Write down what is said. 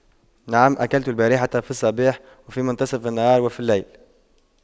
نعم أكلت البارحة في الصباح وفي منتصف النهار وفي الليل